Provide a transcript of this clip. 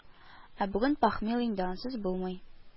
Ә бүген пахмил инде, ансыз булмый